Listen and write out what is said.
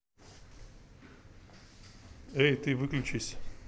эй ты выключись